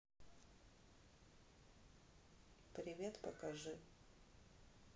привет покажи